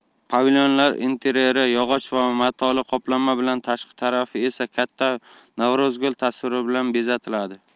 pavilonlar intereri yog'och va matoli qoplama bilan tashqi tarafi esa katta navro'zgul tasviri bilan bezatiladi